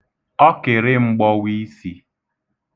ọkị̀rịm̄gbọ̄wiisī